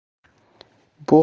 bu haqda